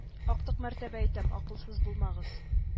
Актык мәртәбә әйтәм акылсыз булмагыз